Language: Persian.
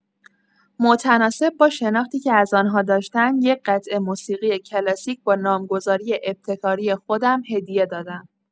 متناسب با شناختی که از آن‌ها داشتم یک قطعه موسیقی کلاسیک با نام‌گذاری ابتکاری خودم هدیه دادم.